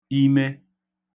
ime